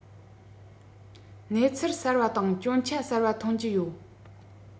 གནས ཚུལ གསར པ དང སྐྱོན ཆ གསར པ ཐོན གྱི ཡོད